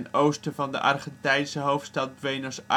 oosten van de Argentijnse hoofdstad Buenos